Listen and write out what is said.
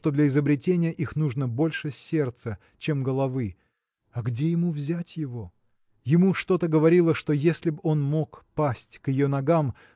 что для изобретения их нужно больше сердца чем головы. А где ему взять его? Ему что-то говорило что если б он мог пасть к ее ногам